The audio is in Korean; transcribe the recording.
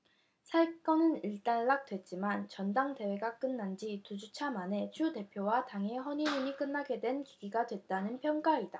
사건은 일단락됐지만 전당대회가 끝난지 두 주차 만에 추 대표와 당의 허니문이 끝나게 된 계기가 됐다는 평가다